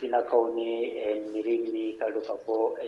Tilakaw ni i k'qa dɔn k'a fɔ